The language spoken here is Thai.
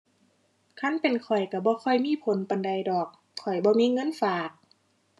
คันเป็นข้อยก็บ่ค่อยมีผลปานใดดอก ข้อยบ่มีเงินฝาก